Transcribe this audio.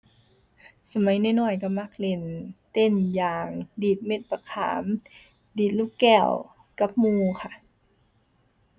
สมัยน้อยน้อยก็มักเล่นเต้นยาง ดีดเม็ดบักขาม ดีดลูกแก้วกับหมู่ค่ะ